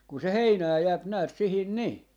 kun se heinää jää näet siihen niin